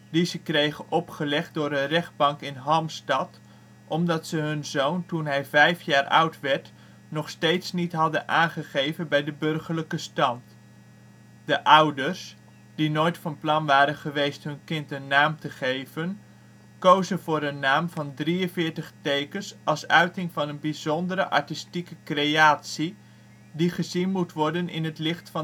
die ze kregen opgelegd door een rechtbank in Halmstad omdat ze hun zoon toen hij vijf jaar oud werd nog steeds niet hadden aangegeven bij de burgerlijke stand. De ouders, die nooit van plan waren geweest hun kind een naam te geven, kozen voor een naam van 43 tekens als uiting van een bijzondere artistieke creatie die gezien moet worden in het licht